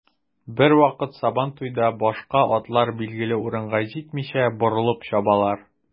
Бервакыт сабантуйда башка атлар билгеле урынга җитмичә, борылып чабалар.